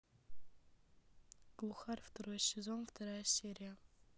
глухарь второй сезон вторая серия